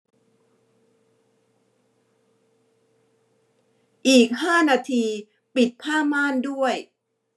อีกห้านาทีปิดผ้าม่านด้วย